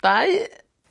dau?